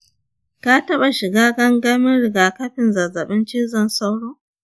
ka taɓa shiga gangamin rigakafin zazzabin cizon sauro?